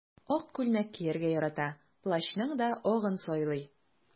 Ак күлмәк кияргә ярата, плащның да агын сайлый.